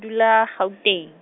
dula Gauteng.